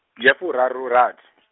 ya furarura- .